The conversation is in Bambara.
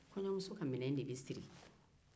kɔɲɔmuso ka minɛn de bɛ siri